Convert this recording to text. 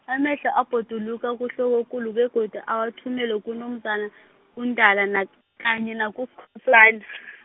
amehlo abhoduluka kuhlokokulu begodu awathumele kuNomzana, uNdala na- kanye nakuSkho- .